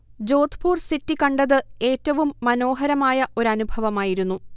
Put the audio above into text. Jodhpur city കണ്ടത് ഏറ്റവും മനോഹരമായ ഒരനുഭവമായിരുന്നു